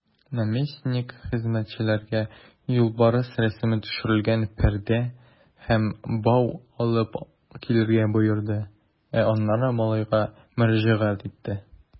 Наместник хезмәтчеләргә юлбарыс рәсеме төшерелгән пәрдә һәм бау алып килергә боерды, ә аннары малайга мөрәҗәгать итте.